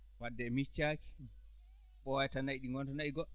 wadde a miccaaki ɓooyata nayi ɗi ngonta nayi goɗɗo